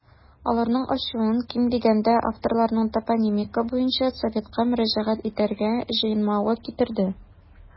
Аларның ачуын, ким дигәндә, авторларның топонимика буенча советка мөрәҗәгать итәргә җыенмавы китерде.